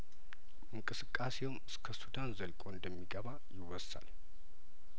እንቅስቃሴ ውም እስከሱዳን ዘልቆ እንደሚገባ ይወሳል